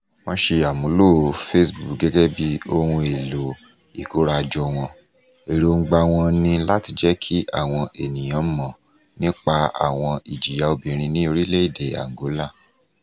Wọ́n ṣe àmúlò Facebook gẹ́gẹ́ bí ohun èlò ìkórajọ wọn, èròńgbà wọn ni láti jẹ́ kí àwọn ènìyàn mọ̀ nípa àwọn ìjìyà obìnrin ní orílẹ̀-èdè Angola: